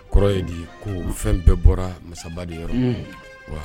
Kɔrɔ ye di ko fɛn bɛɛ bɔra masaba de yɔrɔ